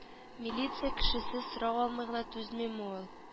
Милиция кешесе сорау алмый гына түзмиме ул